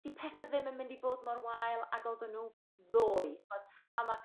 'di pethe ddim yn mynd i fod mor wael ag oddyn n'w ddoe t'mod a ma'